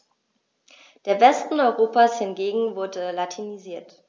Der Westen Europas hingegen wurde latinisiert.